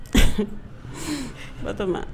Ba ma